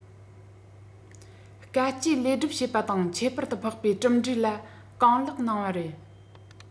དཀའ སྤྱད ལས སྒྲུབ བྱེད པ དང ཁྱད དུ འཕགས པའི གྲུབ འབྲས ལ གང ལེགས གནང བ རེད